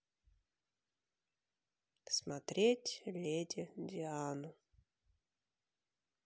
смотреть леди диану